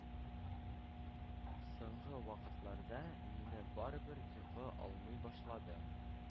Соңгы вакытларда мине барыбер йокы алмый башлады